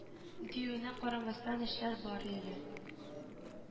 Диюенә карамастан эшләр бар әле